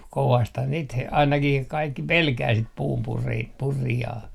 kovastihan niitä - ainakin kaikki pelkää sitä - puunpurijaa